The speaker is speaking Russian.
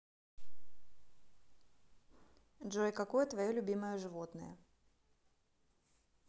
джой какое твое любимое животное